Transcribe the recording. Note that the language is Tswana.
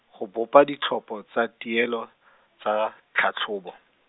go bopa ditlhopha tsa dielo, tsa , tlhatlhobo.